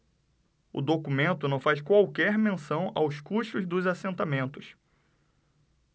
o documento não faz qualquer menção aos custos dos assentamentos